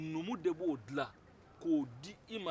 numu de b'o dilan k'o dima